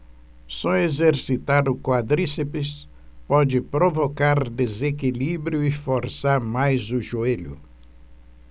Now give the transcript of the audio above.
só exercitar o quadríceps pode provocar desequilíbrio e forçar mais o joelho